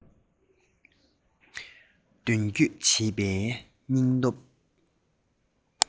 མདུན སྐྱོད བྱེད པའི སྙིང སྟོབས